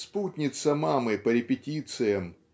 спутница мамы по репетициям